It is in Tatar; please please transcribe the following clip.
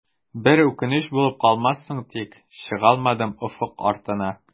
Бер үкенеч булып калмассың тик, чыгалмадым офык артына.